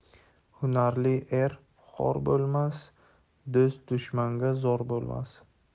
hunarli er xor bo'lmas do'st dushmanga zor bo'lmas